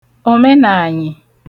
òmenàànyị̀